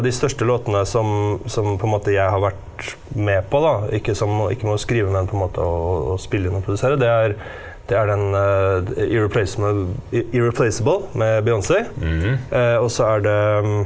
de største låtene som som på en måte jeg har vært med på da, ikke som å ikke med å skrive men på en måte å å å spille inn og produsere, det er det er den Irreplacable med Beyonce også er det .